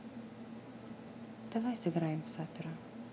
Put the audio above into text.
давай сыграем в сапера